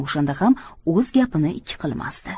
o'shanda ham o'z gapini ikki qilmasdi